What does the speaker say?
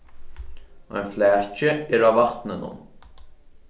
ein flaki er á vatninum